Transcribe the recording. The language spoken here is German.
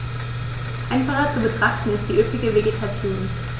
Einfacher zu betrachten ist die üppige Vegetation.